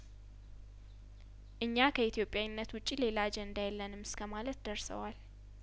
እኛ ከኢትዮጵያ ዊነት ውጭ ሌላ አጀንዳ የለንም እስከማለት ደርሰዋል